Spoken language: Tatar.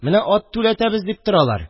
Менә ат түләтәбез дип торалар